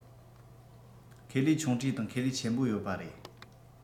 ཁེ ལས ཆུང གྲས དང ཁེ ལས ཆེན པོ ཡོད པ རེད